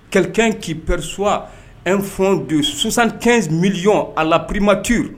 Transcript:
Kɛlɛkɛ'pris n fɔ don sonsant miliyɔn a la pprimatiwu